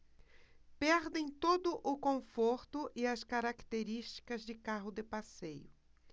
perdem todo o conforto e as características de carro de passeio